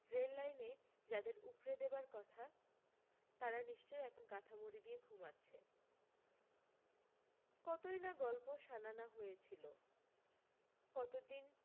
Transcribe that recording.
rail লাইনে যাদের উপড়ে দেবার কথা তারা নিশ্চয় এখন কাঁথামুড়ি দিয়ে ঘুমাচ্ছে কতই না গল্প শানানা হয়েছিলো কতদিন